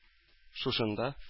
Шушында